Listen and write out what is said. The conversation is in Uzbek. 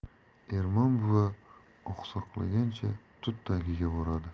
ermon buva oqsoqlagancha tut tagiga boradi